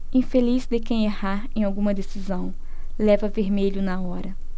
infeliz de quem errar em alguma decisão leva vermelho na hora